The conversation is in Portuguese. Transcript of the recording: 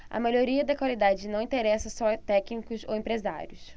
a melhoria da qualidade não interessa só a técnicos ou empresários